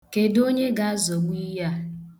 Kedu onye ga-azọgbu ihe a?